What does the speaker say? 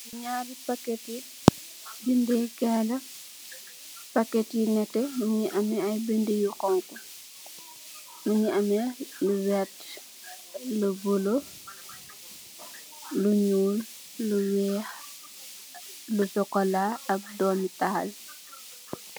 Ñaari paketti bindèé kay la, paket yu netteh mugii ameh ay bindé yu xonxu, mugii ameh lu werta , lu bula, lu ñuul, lu wèèx, lu sokola ak doomi tahal.